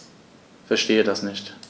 Verstehe das nicht.